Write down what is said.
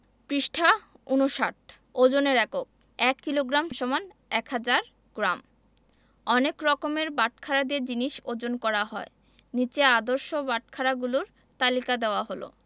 পৃষ্ঠা ৫৯ ওজনের এককঃ ১ কিলোগ্রাম = ১০০০ গ্রাম অনেক রকমের বাটখারা দিয়ে জিনিস ওজন করা হয় নিচে আদর্শ বাটখারাগুলোর তালিকা দেয়া হলঃ